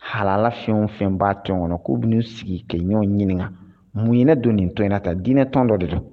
Hala fɛn fɛn b'a tɔ kɔnɔ k'u bɛ sigi kɛ ɲɔgɔn ɲini mun ye don nin to in na ka diinɛ tɔn dɔ de don